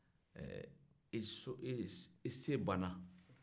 i so ee i se banna